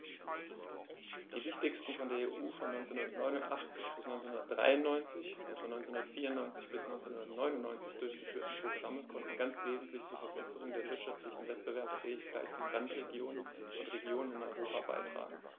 Die wichtigsten von der EU von 1989 bis 1993 und von 1994 bis 1999 durchgeführten Programme konnten ganz wesentlich zur Verbesserung der wirtschaftlichen Wettbewerbsfähigkeit von Randregionen und Regionen in Europa beitragen.